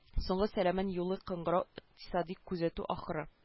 Соңгы сәламен юллый кыңгырау икътисади күзәтү ахыры